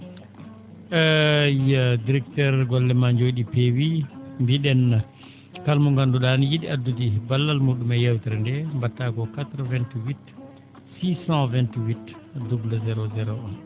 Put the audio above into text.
eyyi directeur golle maa njoo?ii peewii mbii?en kala mo ngandu?aa ni yi?i addude ballal mu?um e yeewtere ndee mba?taa ko 88 628 00 01